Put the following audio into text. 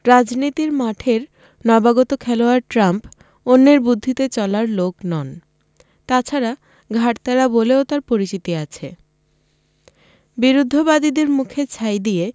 রাজনীতির মাঠের নবাগত খেলোয়াড় ট্রাম্প অন্যের বুদ্ধিতে চলার লোক নন তা ছাড়া ঘাড় ত্যাড়া বলেও তাঁর পরিচিতি আছে বিরুদ্ধবাদীদের মুখে ছাই দিয়ে